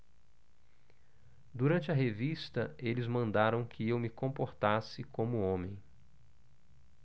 durante a revista eles mandaram que eu me comportasse como homem